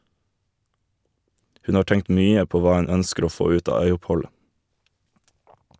Hun har tenkt mye på hva hun ønsker å få ut av øyoppholdet.